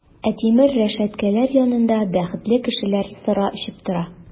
Ә тимер рәшәткәләр янында бәхетле кешеләр сыра эчеп тора!